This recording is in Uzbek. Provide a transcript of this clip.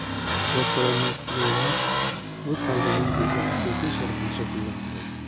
boshqalarning fikri emas o'z qalbimiz bizda haqiqiy sharafni shakllantiradi